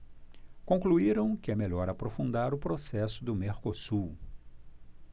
concluíram que é melhor aprofundar o processo do mercosul